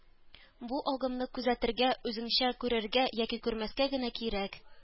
Бу агымны күзәтергә, үзеңчә күрергә, яки күрмәскә генә кирәк